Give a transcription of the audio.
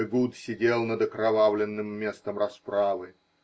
Эгуд сидел над окровавленным местом расправы.